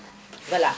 voilà